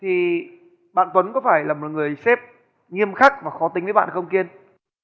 khi bạn tuấn có phải là một người sếp nghiêm khắc và khó tính với bạn không kiên